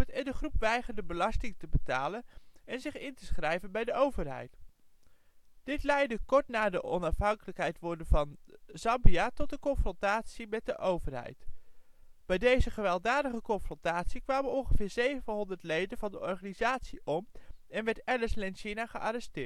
en de groep weigerde belasting te betalen en zich in te schrijven bij de overheid. Dit leidde kort na het onafhankelijk worden van Zambia tot een confrontatie met de overheid. Bij deze gewelddadige confrontatie kwamen ongeveer 700 leden van de organisatie om en werd Alice Lenshina gearresteerd. Alice werd in 1975